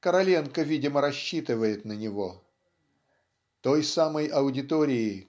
Короленко, видимо, рассчитывает на него. Той самой аудитории